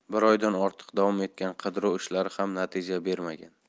bir oydan ortiq davom etgan qidiruv ishlari ham natija bermagan